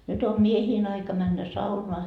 nyt on miesten aika mennä saunaan